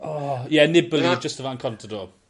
...o ie Nibali jyst o flan Contador.